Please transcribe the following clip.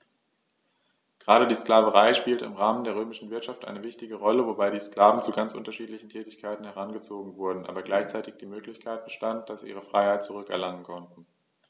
Gerade die Sklaverei spielte im Rahmen der römischen Wirtschaft eine wichtige Rolle, wobei die Sklaven zu ganz unterschiedlichen Tätigkeiten herangezogen wurden, aber gleichzeitig die Möglichkeit bestand, dass sie ihre Freiheit zurück erlangen konnten.